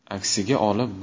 aksiga olib